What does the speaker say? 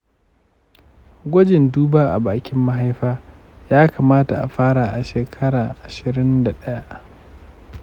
gwajin duba bakin mahaifa ya kamata a fara a shekara ashirin da daya.